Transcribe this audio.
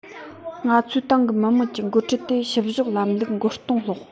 ང ཚོའི ཏང གིས མི དམངས ཀྱི འགོ ཁྲིད དེ བཤུ གཞོག ལམ ལུགས མགོ རྟིང བསློགས